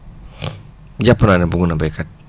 jàpp naa ne buggu na béykat